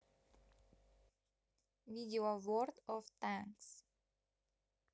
видео ворд оф танкс